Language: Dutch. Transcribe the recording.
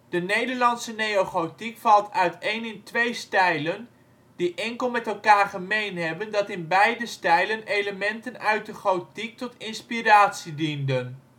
De Nederlandse neogotiek valt uiteen in twee stijlen, die enkel met elkaar gemeen hebben dat in beide stijlen elementen uit de gotiek tot inspiratie dienden